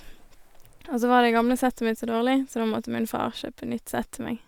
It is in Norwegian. Og så var det gamle settet mitt så dårlig, så da måtte min far kjøpe nytt sett til meg.